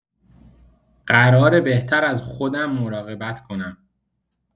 قراره بهتر از خودم مراقبت کنم.